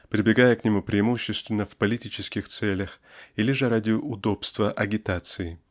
прибегая к нему преимущественно в политических целях или же ради удобства "агитации".